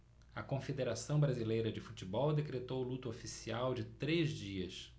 a confederação brasileira de futebol decretou luto oficial de três dias